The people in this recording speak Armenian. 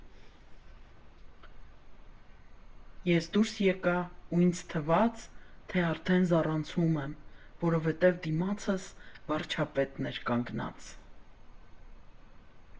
Ես դուրս եկա ու ինձ թվաց, թե արդեն զառանցում եմ, որովհետև դիմացս վարչապետն էր կանգնած։